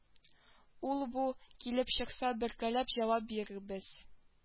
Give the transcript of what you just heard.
Ул-бу килеп чыкса бергәләп җавап бирербез